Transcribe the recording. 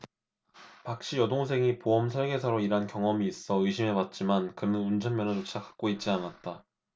박씨 여동생이 보험설계사로 일한 경험이 있어 의심해 봤지만 그는 운전면허조차 갖고 있지 않았다